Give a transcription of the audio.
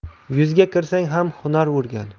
yuzga kirsang ham hunar o'rgan